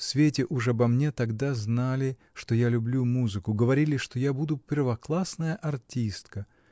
— В свете уж обо мне тогда знали, что я люблю музыку, говорили, что я буду первоклассная артистка.